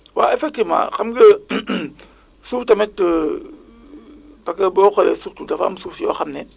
waaw effectivement xam nga suuf tamit parce que boo xoolee surtout dafa am suuf yoo xam ne